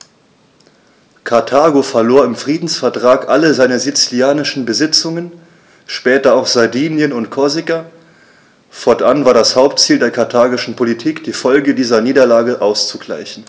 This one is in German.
Karthago verlor im Friedensvertrag alle seine sizilischen Besitzungen (später auch Sardinien und Korsika); fortan war es das Hauptziel der karthagischen Politik, die Folgen dieser Niederlage auszugleichen.